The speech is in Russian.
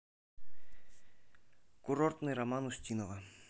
курортный роман устинова